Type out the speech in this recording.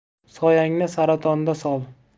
soyangni saratonda sol